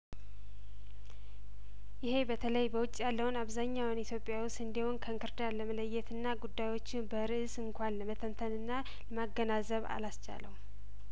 ይሄ በተለይ በውጭ ያለውን አብዛኛውን ኢትዮጵያዊ ስንዴውን ከእንክርዳድ ለመለየትና ጉዳዮችን በርእስ እንኳን ለመተንተንና ማገናዘብ አላስቻ ለውም